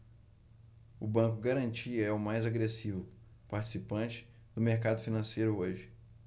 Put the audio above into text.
o banco garantia é o mais agressivo participante do mercado financeiro hoje